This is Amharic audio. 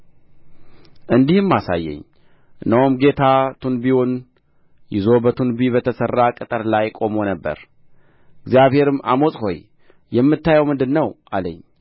እንዲህም አሳየኝ እነሆም ጌታ ቱንቢውን ይዞ በቱንቢ በተሠራ ቅጥር ላይ ቆሞ ነበር እግዚአብሔርም አሞጽ ሆይ የምታየው ምንድር ነው አለኝ